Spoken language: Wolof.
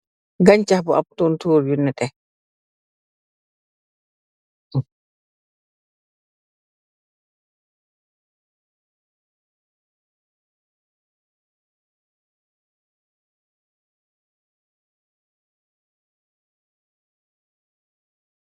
Ganchax ngu am tontorr yu neteh.